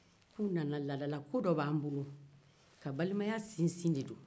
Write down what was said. k'u nana ladalako dɔ b'an bolo ka balimaya sinsin de do